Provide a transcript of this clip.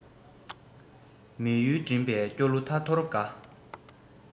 མི ཡུལ འགྲིམས པའི སྐྱོ གླུ ཐ ཐོར འགའ